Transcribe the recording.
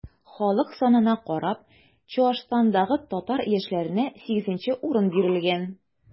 Халык санына карап, Чуашстандагы татар яшьләренә 8 урын бирелгән.